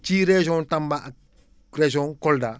ci région Tamba ak région Kolda